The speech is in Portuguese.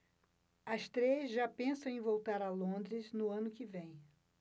as três já pensam em voltar a londres no ano que vem